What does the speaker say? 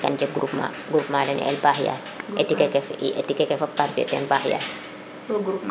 i kam jeg groupement groupement ne el baax yaay etiquer fop kam fi teen baay yaaay